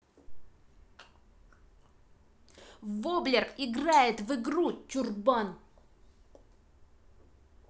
воблер играет в игру чурбан